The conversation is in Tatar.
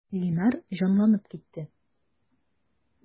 Линар җанланып китте.